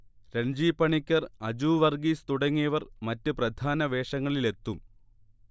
രൺജി പണിക്കർ, അജു വർഗ്ഗീസ് തുടങ്ങിയവർ മറ്റ്പ്രധാന വേഷങ്ങളിലെത്തും